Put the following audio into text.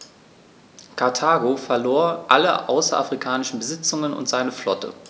Karthago verlor alle außerafrikanischen Besitzungen und seine Flotte.